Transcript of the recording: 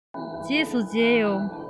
རྗེས སུ མཇལ ཡོང